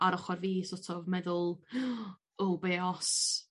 ar ochor fi so't of meddwl o be os